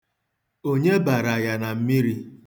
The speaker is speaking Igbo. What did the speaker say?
Onye bara ya na mmiri?